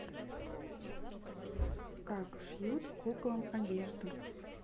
как шьют куклам одежду